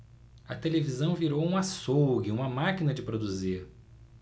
a televisão virou um açougue uma máquina de produzir